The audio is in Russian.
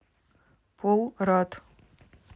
пол рад